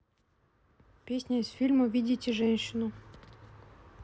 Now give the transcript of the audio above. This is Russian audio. песня из фильма видите женщину